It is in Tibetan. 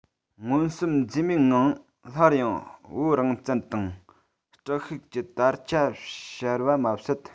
མངོན སུམ འཛེམ མེད ངང སླར ཡང བོད རང བཙན དང དྲག ཤུགས ཀྱི དར ཆ ཕྱར བ མ ཟད